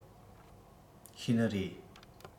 ཤེས ནི རེད